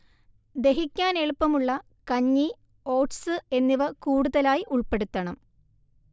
ദഹിക്കാൻ എളുപ്പമുള്ള കഞ്ഞി, ഓട്സ്എന്നിവ കൂടുതലായി ഉൾപ്പെടുത്തണം